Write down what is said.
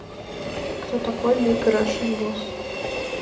кто такой big russian boss